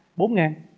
bốn ngàn